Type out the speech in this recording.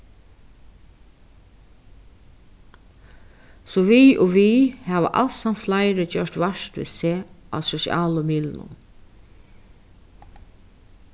so við og við hava alsamt fleiri gjørt vart við seg á sosialu miðlunum